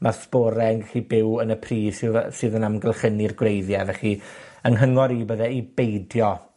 ma' sbore'n gallu byw yn y pridd sydd y- sydd yn amgylchynu'r gwreiddiau. Felly, 'yng nghyngor I bydde i beidio